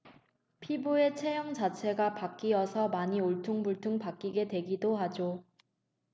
피부의 체형 자체가 바뀌어서 많이 울퉁불퉁 바뀌게 되기도 하죠